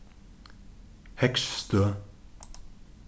heygsstøð